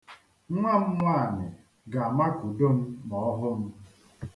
Nnwa m nwaanyị ga-amakudo m ma ọ hụ m.